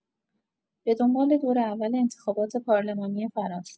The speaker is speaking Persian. به دنبال دور اول انتخابات پارلمانی فرانسه